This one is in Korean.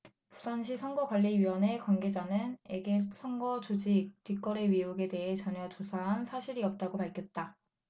부산시선거관리위원회 관계자는 에게 선거조직 뒷거래의혹에 대해 전혀 조사한 사실이 없다고 밝혔다